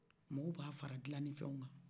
maaw b'a fara dilanni fɛnw kan